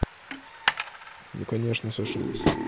ну конечно сошлись